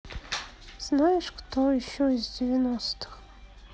знаешь кто еще из девяностых